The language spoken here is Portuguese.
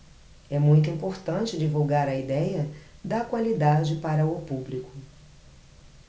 é muito importante divulgar a idéia da qualidade para o público